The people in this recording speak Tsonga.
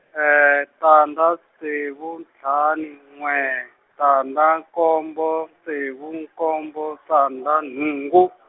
tandza ntsevu ntlhanu n'we tandza nkombo ntsevu nkombo tandza nhungu.